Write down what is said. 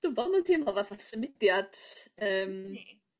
dw'm 'bo' ma'n teimlo fatha symudiad yym